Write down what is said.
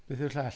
Beth yw'r llall?